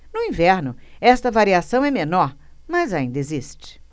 no inverno esta variação é menor mas ainda existe